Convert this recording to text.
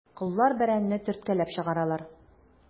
Коллар бәрәнне төрткәләп чыгаралар.